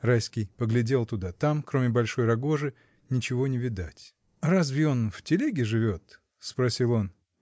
Райский поглядел туда: там, кроме большой рогожи, ничего не видать. — Разве он в телеге живет? — спросил он.